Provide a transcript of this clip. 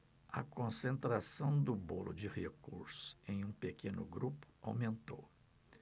a concentração do bolo de recursos em um pequeno grupo aumentou